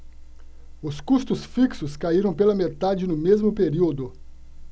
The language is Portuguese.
os custos fixos caíram pela metade no mesmo período